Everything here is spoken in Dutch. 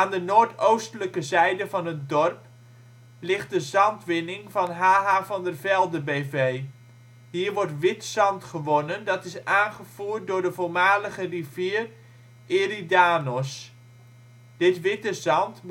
de noordoostelijke zijde van het dorp ligt de zandwinning van H.H. van der Velde B.V. Hier wordt wit zand gewonnen dat is aangevoerd door de voormalige rivier Eridanos. Dit witte zand